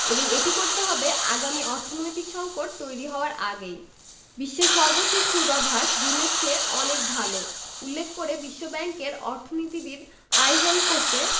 এবং এটি করতে হবে আগামী অর্থনৈতিক সংকট তৈরি হওয়ার আগেই বিশ্বের সর্বশেষ পূর্বাভাস জুনের চেয়ে অনেক ভালো উল্লেখ করে বিশ্বব্যাংকের অর্থনীতিবিদ আয়হান কোসে